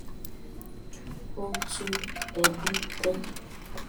Ó tú ẹbí tán.